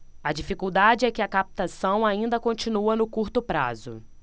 a dificuldade é que a captação ainda continua no curto prazo